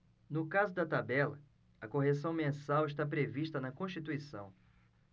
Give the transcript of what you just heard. no caso da tabela a correção mensal está prevista na constituição